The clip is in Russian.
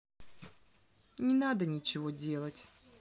не надо нечего делать